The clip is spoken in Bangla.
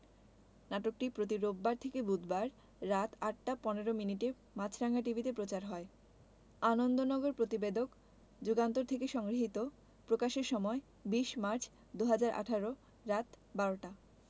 নাটকটি প্রতি রোববার থেকে বুধবার রাত ৮টা ১৫ মিনিটে মাছরাঙা টিভিতে প্রচার হয় আনন্দনগর প্রতিবেদক যুগান্তর হতে সংগৃহীত প্রকাশের সময় ২০মার্চ ২০১৮ রাত ১২:০০ টা